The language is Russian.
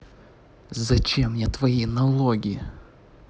зачем мне твои налоги